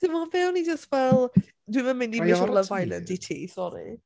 Timod be o'n i jyst fel "dwi'm yn mynd i misio... priorities ...Love Island i ti sori."